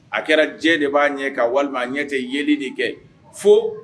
A kɛra jɛ de b'a ɲɛ ka walima a ɲɛ tɛ yeli de kɛ fo